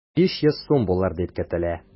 500 сум булыр дип көтелә.